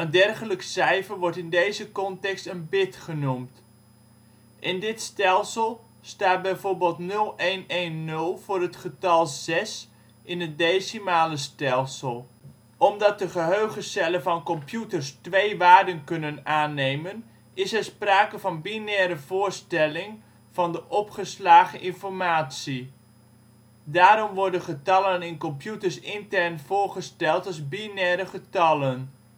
dergelijk cijfer wordt in deze context een bit genoemd. Binair Decimaal 00000 0 00001 1 00010 2 00011 3 00100 4 00101 5 00110 6 00111 7 01000 8 01001 9 01010 10 01011 11 01100 12 01101 13 01110 14 01111 15 1 + 1 = 10 1 + 1 = 2 0101 × 0101 = 011001 5 × 5 = 25 In dit stelsel staat bijvoorbeeld 0110 voor het getal 6 in het decimale stelsel. Omdat de geheugencellen van computers twee waarden kunnen aannemen, is er sprake van binaire voorstelling van de opgeslagen informatie. Daarom worden getallen in computers intern voorgesteld als binaire getallen